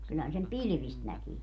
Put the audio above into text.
kyllähän sen pilvistä näkee